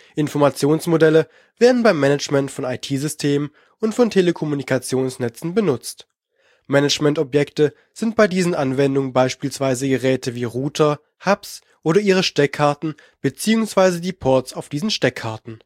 Informationsmodelle werden beim Management von IT-Systemen und von Telekommunikationsnetzen benutzt. Managementobjekte sind bei diesen Anwendungen beispielsweise Geräte wie Router, Hubs oder ihre Steckkarten bzw. die Ports auf diesen Steckkarten